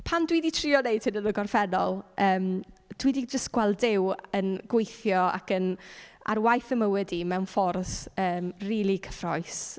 Pan dwi 'di trio wneud hyn yn y gorffennol yym dwi 'di jyst gweld Duw yn gweithio ac yn ar waith 'y mywyd i mewn ffordd rili cyffrous.